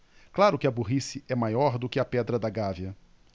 claro que a burrice é maior do que a pedra da gávea